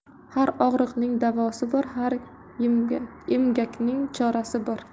har og'riqning davosi bor har emgakning chorasi bor